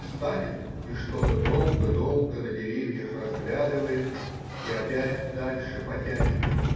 станет и что-то долго-долго на деревьях разглядывает, и опять дальше потянет.